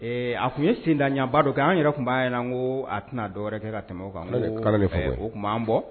A tun ye sen b'a dɔn kɛ'an yɛrɛ tun b'a ye an ko a tɛna'a dɔw wɛrɛ kɛ ka tɛmɛ kan o tun b' bɔ